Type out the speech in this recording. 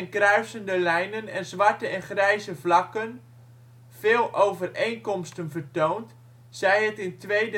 kruisende lijnen en zwarte en grijze vlakken, veel overeenkomsten vertoont, zij het in twee